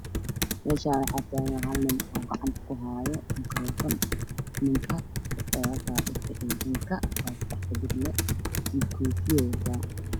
Meeshaan waxaa taagan hal nin oo gacanta ku haayo makarafoon wuxuu wataa dharka ciidanka waa seddax xidig le